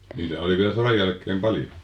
niitä oli vielä sodan jälkeen paljon